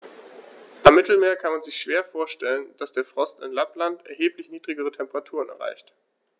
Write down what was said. Am Mittelmeer kann man sich schwer vorstellen, dass der Frost in Lappland erheblich niedrigere Temperaturen erreicht.